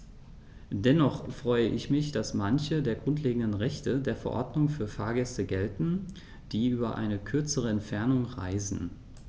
Dennoch freue ich mich, dass manche der grundlegenden Rechte der Verordnung für Fahrgäste gelten, die über eine kürzere Entfernung reisen.